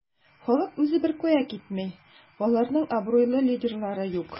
Халык үзе беркая китми, аларның абруйлы лидерлары юк.